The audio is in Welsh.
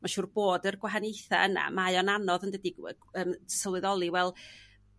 ma' siŵr bod yr gwahaniaethau yna... mae o'n anodd yn dydi? sylweddoli wel